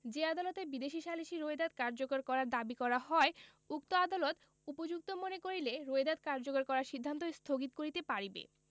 যে আদালতে বিদেশী সালিসী রোয়েদাদ কার্যকর করার দাবী করা হয় উক্ত আদালত উপযুক্ত মনে করিলে রোয়েদাদ কার্যকর করার সিদ্ধান্ত স্থগিত করিতে পারিবে